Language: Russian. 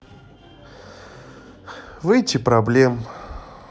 выйти проблем